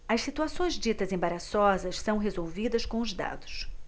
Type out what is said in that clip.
as situações ditas embaraçosas são resolvidas com os dados